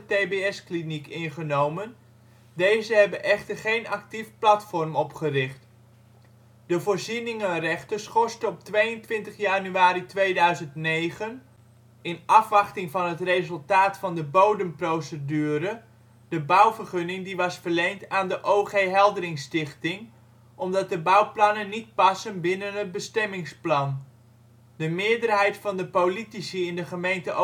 de tbs-kliniek ingenomen; deze hebben echter geen actief platform opgericht. De voorzieningenrechter schorste op 22 januari 2009, in afwachting van het resultaat van de bodemprocedurede, de bouwvergunning die was verleend aan de O.G. Heldringstichting, omdat de bouwplannen niet passen binnen het bestemmingsplan. De meerderheid van de politici in de gemeente